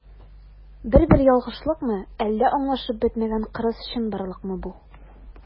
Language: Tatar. Бер-бер ялгышлыкмы, әллә аңлашылып бетмәгән кырыс чынбарлыкмы бу?